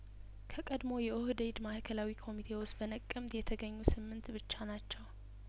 ከቀድሞው የኦህዴድ የማእከላዊ ኮሚቴ ውስጥ በነቀምት የተገኙ ስምንት ብቻ ናቸው